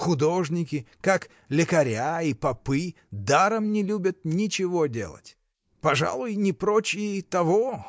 Художники, как лекаря и попы, даром не любят ничего делать. Пожалуй, не прочь и того.